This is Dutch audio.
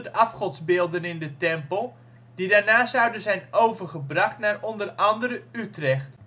afgodsbeelden in de tempel, die daarna zouden zijn overgebracht naar onder andere Utrecht